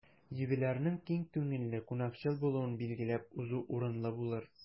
Юбилярның киң күңелле, кунакчыл булуын билгеләп узу урынлы булыр.